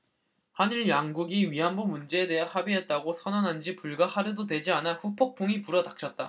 한일 양국이 위안부 문제에 대해 합의했다고 선언한 지 불과 하루도 되지 않아 후폭풍이 불어 닥쳤다